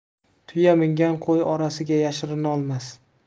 tuya mingan qo'y orasiga yashirinolmas